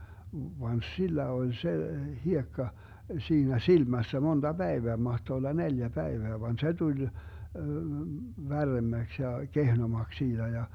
vaan sillä oli se hiekka siinä silmässä monta päivää mahtoi olla neljä päivää vaan se tuli värremmäksi ja kehnommaksi siitä ja